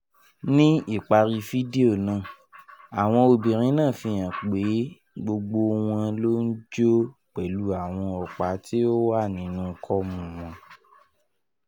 Ní ìparí fídíò náà, àwọn obìnrin náà fi hàn pé gbogbo wọn ló ń jó pẹ̀lú àwọn ọ̀pá tí ó wà nínú kọ́mú wọn.